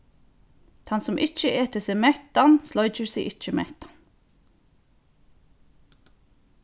tann sum ikki etur seg mettan sleikir seg ikki mettan